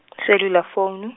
cellular phone u.